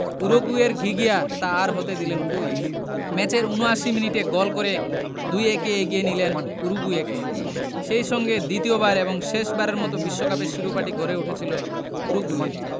উরুগুয়ের ঘিঘিয়া তা আর হতে দিলেন কই ম্যাচের ৭৯ মিনিটে গোল করে ২ ১ এ এগিয়ে নিলেন উরুগুয়েকে সেই সঙ্গে দ্বিতীয়বার এবং শেষবারের মতো বিশ্বকাপের শিরোপাটি ঘরে উঠেছিল উরুগুয়ের